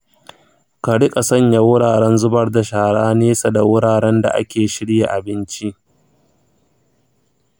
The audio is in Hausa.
ka riƙa sanya wuraren zubar da shara nesa da wuraren da ake shirya abinci.